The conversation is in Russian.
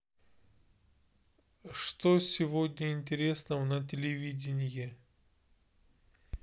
что сегодня интересного на телевидении